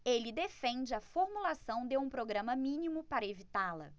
ele defende a formulação de um programa mínimo para evitá-la